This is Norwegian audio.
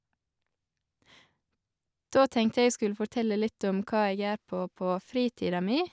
Da tenkte jeg jeg skulle fortelle litt om hva jeg gjør på på fritida mi.